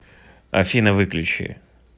афина выключи